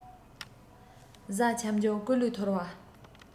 གཟའ ཁྱབ འཇུག སྐུ ལུས ཐོར བ